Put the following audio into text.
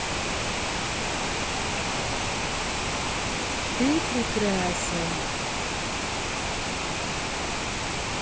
ты прекрасен